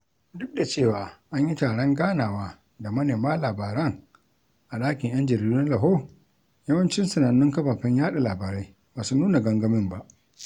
Duk da cewa an yi taron ganawa da manema labaran a ɗakin 'Yan Jaridu na Lahore, yawancin sanannun kafafen yaɗa labarai ba su nuna gangamin ba.